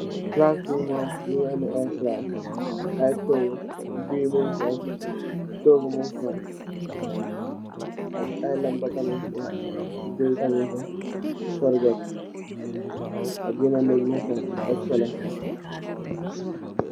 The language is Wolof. Palas bi mom munge ame aye flower ayr toguh mung fa ak aye lampa tamit mungfa corget, neek ak escaleh